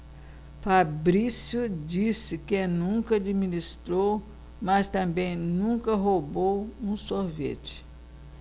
fabrício disse que nunca administrou mas também nunca roubou um sorvete